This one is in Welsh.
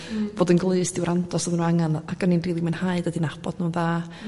fod yn glust di wrando os odda nw angan ag oni'n rili mwynhau dod i nabod nw'n dda